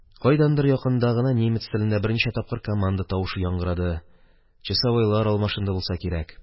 Кайдадыр якында гына немец телендә берничә тапкыр команда тавышы яңгырады, часовойлар алмашынды булса кирәк.